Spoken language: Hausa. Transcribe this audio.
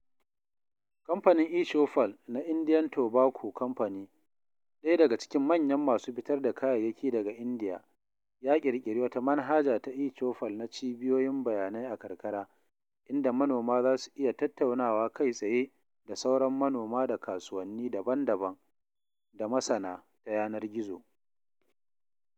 Kamfanin eChoupal na Indian Tobacco Company, ɗaya daga cikin manyan masu fitar da kayayyaki daga Indiya, ya ƙirƙiri wata manhaja ta eChoupal na cibiyoyin bayanai a karkara inda manoma za su iya tattaunawa kai tsaye da sauran manoma da kasuwanni daban-daban da masana ta yanar gizo.